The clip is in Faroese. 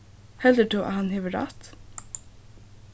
heldur tú at hann kann hava rætt